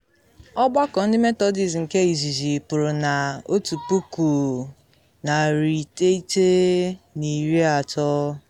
Ọgbakọ ndị Methodist nke izizi pụrụ na 1930.